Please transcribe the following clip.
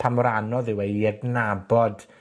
pa mor anodd yw e i adnabod